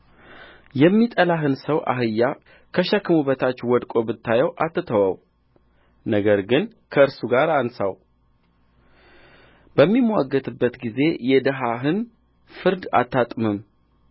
የሚጠላህን ሰው አህያ ከሸክሙ በታች ወድቆ ብታየው አትተወው ነገር ግን ከእርሱ ጋር አንሣው በሚምዋገትበት ጊዜ የድሀህን ፍርድ አታጥምም